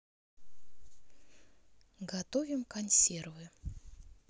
готовим консервы